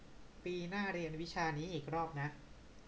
ปีหน้าเรียนวิชานี้อีกรอบนะ